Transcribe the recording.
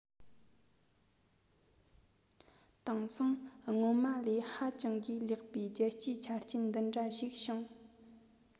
དེང སང སྔོན མ ལས ཧ ཅང གིས ལེགས པའི རྒྱལ སྤྱིའི ཆ རྐྱེན འདི འདྲ ཞིག བྱུང